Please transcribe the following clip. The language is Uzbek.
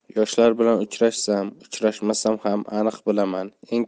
yoshlar bilan uchrashsam uchrashmasam aniq bilaman eng